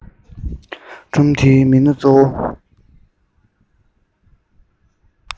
སྒྲུང འདིའི མི སྣ གཙོ བོ